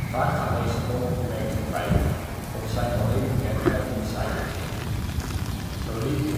Vaak gaan deze onopgemerkt voorbij of zijn alleen bekend bij insiders. Zo liep